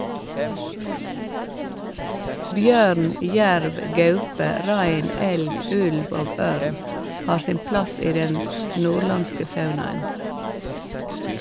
Bjørn, jerv, gaupe, rein, elg, ulv og ørn har sin plass i den nordlandske faunaen.